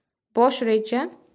bosh reja